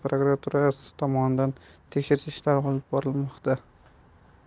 prokuraturasi tomonidan tekshirish ishlari olib borilmoqda